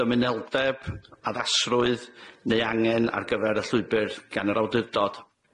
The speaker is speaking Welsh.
dymuneldeb, addasrwydd, neu angen ar gyfer y llwybyr gan yr awdurdod.